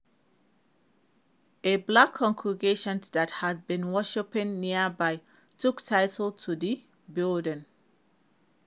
A black congregation that had been worshiping nearby took title to the building.